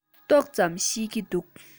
ཏོག ཙམ ཤེས ཀྱི འདུག